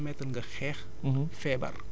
mais daf lay permettre nga xeex